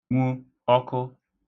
nwu ọkụ